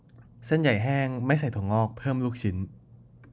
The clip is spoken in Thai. เส้นใหญ่แห้งไม่ใส่ถั่วงอกเพิ่มลูกชิ้น